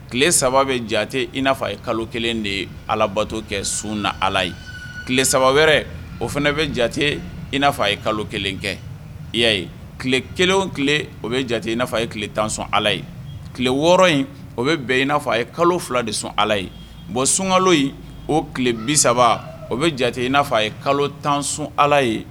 Tile saba bɛ ja in na a ye kalo kelen de ye alabato kɛ sun ni ala ye tile saba wɛrɛ o fana bɛ ja i na a ye kalo kelen kɛ i y'a ye tile kelen tile o bɛ jate ina ye tile tan sɔn ala ye tile wɔɔrɔ in o bɛ bɛn ia a ye kalo fila de sɔn ala ye bon sunkalo in o tile bi saba o bɛ ja i n'a a ye kalo tan sɔn ala ye